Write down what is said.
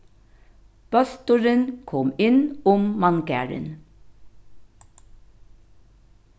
bólturin kom inn um manngarðin